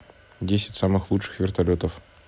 десять самых лучших вертолетов